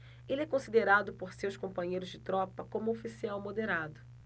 ele é considerado por seus companheiros de tropa como um oficial moderado